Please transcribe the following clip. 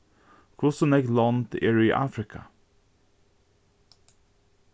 hvussu nógv lond eru í afrika